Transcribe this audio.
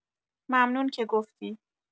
ممنون که گفتی